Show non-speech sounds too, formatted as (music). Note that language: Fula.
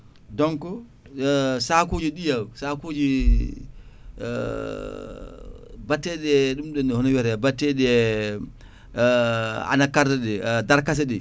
donc (hesitation) sakuji ɗiya sakuli (hesitation) batteɗi e ɗumɗon ni hono wiyete batteɗi e (hesitation) anacarde ɗi (hesitation) darcasse ɗi